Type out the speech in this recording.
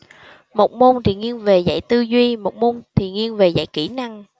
một môn thì nghiêng về dạy tư duy một môn thì nghiêng về dạy kỹ năng